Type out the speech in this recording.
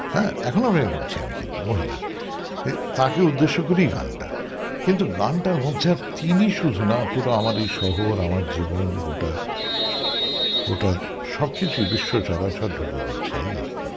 হ্যাঁ এখনো প্রেমে পড়ছি আমি মহিলার তাকে উদ্দেশ্য করে এ গানটা কিন্তু গানটার মধ্যে তিনি শুধু না পুরো আমার এই শহর আমার জীবন গোটা গোটা সবকিছুই বিশ্ব চরাচর ঢুকে পড়ছে এই আর কি